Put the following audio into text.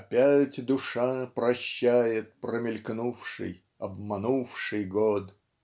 опять душа прощает промелькнувший обманувший год".